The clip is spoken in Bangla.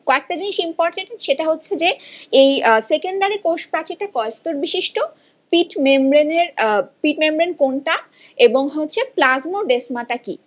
কয়েকটা জিনিস ইম্পরট্যান্ট সেটা হচ্ছে যে সেকেন্ডারি কোষ প্রাচীর কয় স্তর বিশিষ্ট পিট মেমব্রেন কোনটা এবং হচ্ছে প্লাজমোডেজমাটা কি